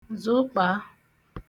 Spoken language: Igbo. zokpàà